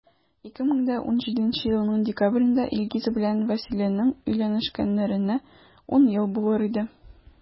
2017 елның декабрендә илгиз белән вәсиләнең өйләнешкәннәренә 10 ел булыр иде.